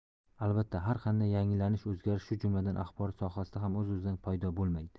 albatta har qanday yangilanish o'zgarish shu jumladan axborot sohasida ham o'z o'zidan paydo bo'lmaydi